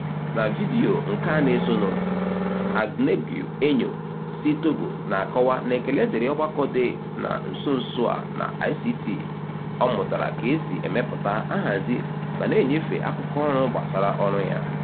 Na vidiyo nke a na-esonu, Agnegue Enyo si Togo na-akọwa na ekele dịrị ọgbakọ dị na nso nso a na ICT, ọ mụtara ka e si emepụta, ahazi ma na-enyefe akụkọ ọrụ gbasara ọrụ ya.